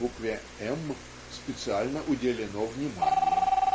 букве "эм" специально уделенное внимание